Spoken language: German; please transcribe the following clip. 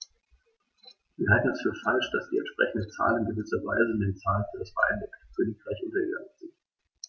Wir halten es für falsch, dass die entsprechenden Zahlen in gewisser Weise in den Zahlen für das Vereinigte Königreich untergegangen sind.